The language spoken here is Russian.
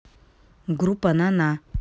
группа на на